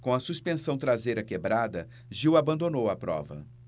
com a suspensão traseira quebrada gil abandonou a prova